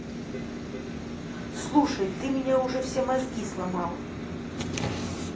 слушай ты меня уже все мозги сломал